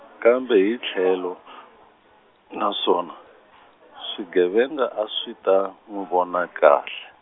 kambe hi tlhelo , na swona, swigevenga a swi ta n'wi vona kahle.